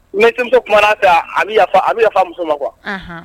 Nitumana kan a bɛ yafa fa muso ma kuwa